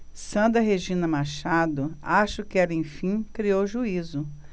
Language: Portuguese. sandra regina machado acho que ela enfim criou juízo